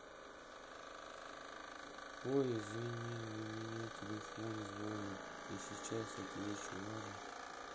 ой извини у меня телефон звонит и сейчас отвечу ладно